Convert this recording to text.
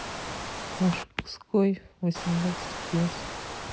мужской восемнадцать плюс